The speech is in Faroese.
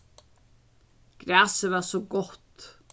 grasið var so gott